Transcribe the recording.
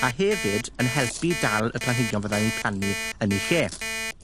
a hefyd yn helpu dal y planhigion fyddai'n 'u plannu yn 'u lle.